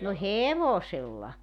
no hevosella